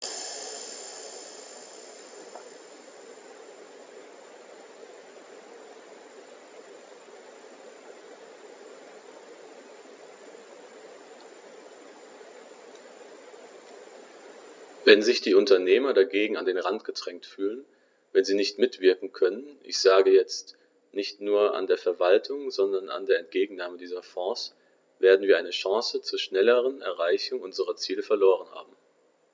Wenn sich die Unternehmer dagegen an den Rand gedrängt fühlen, wenn sie nicht mitwirken können ich sage jetzt, nicht nur an der Verwaltung, sondern an der Entgegennahme dieser Fonds , werden wir eine Chance zur schnelleren Erreichung unserer Ziele verloren haben.